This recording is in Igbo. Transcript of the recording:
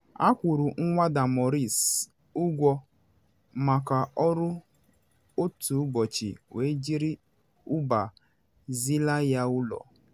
Akwụrụ Nwada Maurice ụgwọ maka ọrụ otu ụbọchị wee jiri Uber zilaa ya ụlọ.